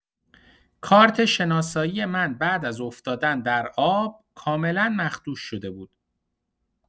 کارت شناسایی من‌بعد از افتادن در آب، کاملا مخدوش شده بود.